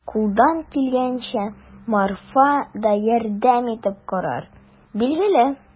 Кулдан килгәнчә Марфа да ярдәм итеп карар, билгеле.